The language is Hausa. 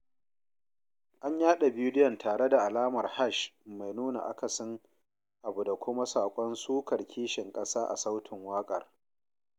An yaɗa bidiyon tare da alamar hash mai nuna akasin abu da kuma saƙon sukar kishin ƙasa a sautin waƙar.